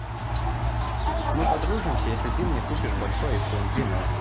мы подружимся если ты мне купишь большой айфон двенадцатый